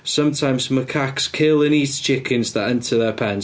Sometimes macaques kill and eat chickens that enter their pens...